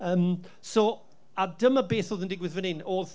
yym so a dyna beth oedd yn digwydd fan hyn.